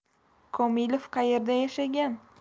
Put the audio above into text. komilov qaerda yashagan